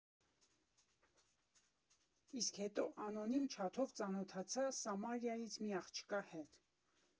Իսկ հետո անոնիմ չաթով ծանոթացա Սամարայից մի աղջկա հետ։